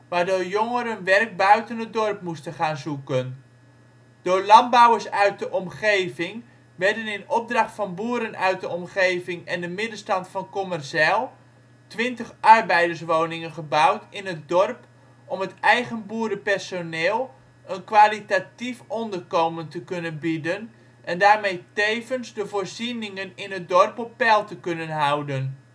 waardoor jongeren werk buiten het dorp moesten gaan zoeken. Door landbouwers uit de omgeving werden in opdracht van boeren uit de omgeving en de middenstand van Kommerzijl 20 arbeiderswoningen gebouwd in het dorp om het eigen boerenpersoneel een kwalitatief onderkomen te kunnen bieden en daarmee tevens de voorzieningen in het dorp op peil te kunnen houden